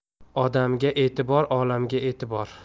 odamga e'tibor olamga e'tibor